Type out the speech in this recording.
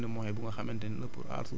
defaraat structure du sol bi